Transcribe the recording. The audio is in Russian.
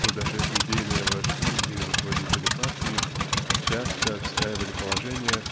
что даже идейные вожди и руководители партии часто отстаивали положения